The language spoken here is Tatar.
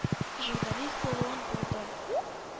Журналист булуын булдым,